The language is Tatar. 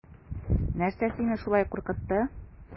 Нәрсә саине шулай куркытты?